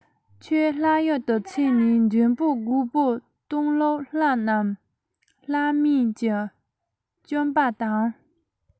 ཁྱོད ལྷ ཡུལ དུ ཕྱིན ནས འཇོན པོ རྒོས པོ བཏང ལུགས ལྷ རྣམས ལྷ མིན གྱིས བཅོམ པ དང